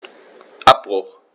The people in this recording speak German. Abbruch.